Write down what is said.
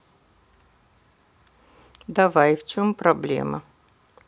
давай в чем проблема